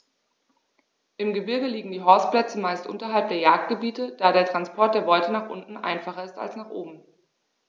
Im Gebirge liegen die Horstplätze meist unterhalb der Jagdgebiete, da der Transport der Beute nach unten einfacher ist als nach oben.